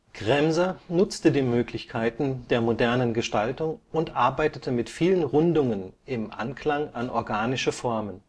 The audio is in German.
Kremser nutze die Möglichkeiten der modernen Gestaltung und arbeitete mit vielen Rundungen im Anklang an organische Formen